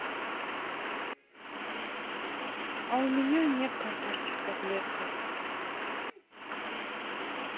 а у меня нет картошки с котлеткой